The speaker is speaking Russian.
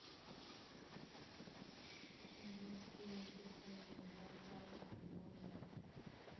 русские хиты двадцатого года